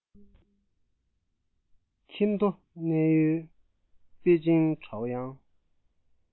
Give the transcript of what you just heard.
ཁྱིམ ཐོ གནས ཡུལ པེ ཅིན ཁྲའོ དབྱང